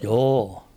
joo